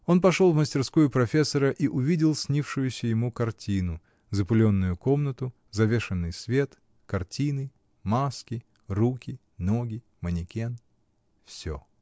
Он пошел в мастерскую профессора и увидел снившуюся ему картину: запыленную комнату, завешенный свет, картины, маски, руки, ноги, манекен. всё.